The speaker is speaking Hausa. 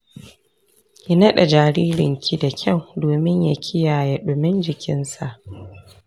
ki nade jaririnki da kyau domin ya kiyaye dumin jikinsa